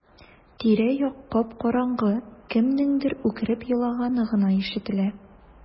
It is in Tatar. Тирә-як кап-караңгы, кемнеңдер үкереп елаганы гына ишетелә.